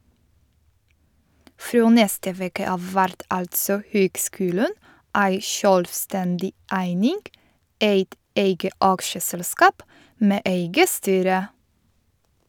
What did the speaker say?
Frå neste veke av vert altså høgskulen ei sjølvstendig eining, eit eige aksjeselskap med eige styre.